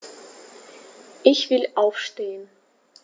Ich will aufstehen.